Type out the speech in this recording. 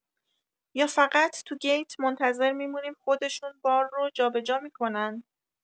یا فقط تو گیت منتظر می‌مونیم خودشون بار رو جابجا می‌کنن؟